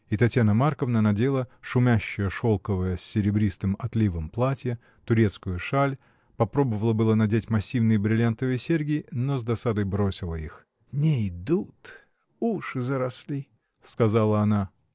И Татьяна Марковна надела шумящее шелковое с серебристым отливом платье, турецкую шаль, пробовала было надеть массивные брильянтовые серьги, но с досадой бросила их. — Нейдут, уши заросли! — сказала она.